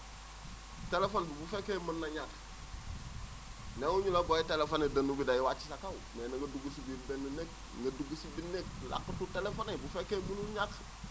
téléphone bi bu fekkee mën na ñàkk newuñula booy téléphoné dënnu bi day wàcc sa kaw mais na nga dugg si biir benn néeg nga dugg si biir néeg làqatu téléphoné bu fekkee mënul ñàkk